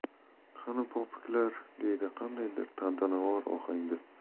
qani popuklar deydi qandaydir tantanavor ohangda